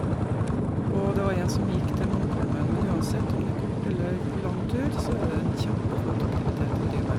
Og det var en som gikk til Munkholmen, men uansett om det er kort eller lang tur, så er det en kjempeflott aktivitet å drive med.